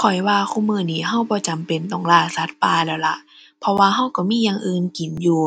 ข้อยว่าคุมื้อนี้เราบ่จำเป็นต้องล่าสัตว์ป่าแล้วล่ะ เพราะว่าเราเรามีอย่างอื่นกินอยู่